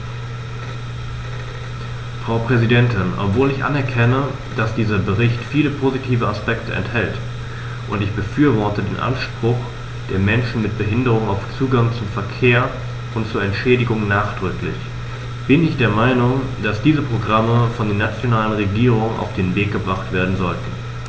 Frau Präsidentin, obwohl ich anerkenne, dass dieser Bericht viele positive Aspekte enthält - und ich befürworte den Anspruch der Menschen mit Behinderung auf Zugang zum Verkehr und zu Entschädigung nachdrücklich -, bin ich der Meinung, dass diese Programme von den nationalen Regierungen auf den Weg gebracht werden sollten.